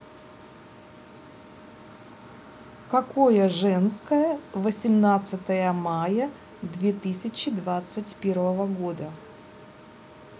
какое женское восемнадцатое мая две тысячи двадцать первого года